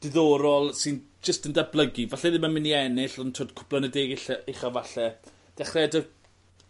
diddorol sydd jyst yn datblygu falle ddim yn mynd i ennill on' t'wo' cwpwl yn y deg ulle ucha falle. Dechreua 'dy